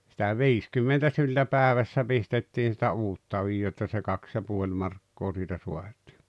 sitä viisikymmentä syltä päivässä pistettiin sitä uutta ojaa että se kaksi ja puoli markkaa siitä saatiin